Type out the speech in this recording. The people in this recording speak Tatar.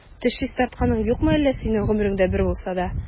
Теш чистартканың юкмы әллә синең гомереңдә бер булса да?